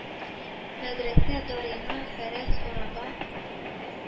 “мәдрәсә дариңа фәрәс араба